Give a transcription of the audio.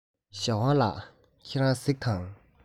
ཞའོ ཝང ལགས ཁྱེད རང གཟིགས དང